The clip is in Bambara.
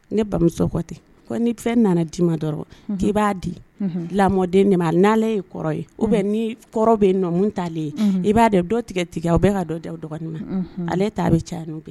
Ne bamuso kɔ tɛ ni fɛn nana d'i ma dɔrɔn k'i b'a di lamɔden de ma niale ye kɔrɔ ye u bɛ ni kɔrɔ bɛ nɔ talen i b'a de dɔ tigɛ tigɛ o bɛ ka dɔ da o dɔgɔnin ale t'a bɛ ca kɛ